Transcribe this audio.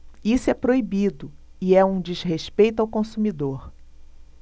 isso é proibido e é um desrespeito ao consumidor